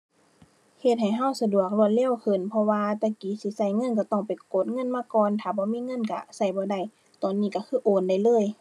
เฮ็ดให้เราสะดวกรวดเร็วขึ้น เพราะว่าแต่กี้สิเราเงินเราต้องไปกดเงินมาก่อน ถ้าบ่มีเงินเราเราบ่ได้ ตอนนี้เราคือโอนได้เลย